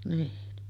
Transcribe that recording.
niin